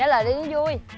trả lời đi mới dui